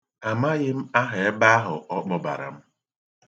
Amaghị m aha ebe ahụ ọ kpọbara m.